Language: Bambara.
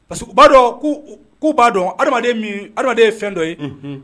Parce que u ba dɔn ku ba dɔn adamaden min adamaden ye fɛn dɔ ye